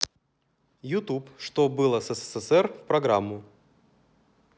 youtube что было с ссср в программу